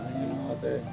Aa hinɛ tɛ